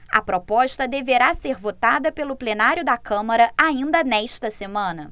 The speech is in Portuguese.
a proposta deverá ser votada pelo plenário da câmara ainda nesta semana